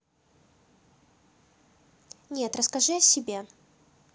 нет расскажи о себе